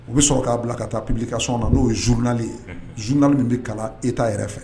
U bɛ sɔrɔ k'a bila ka taa ppibilika sɔn na n'o ye zuruninali ye zina min bɛ kalan e t'a yɛrɛ fɛ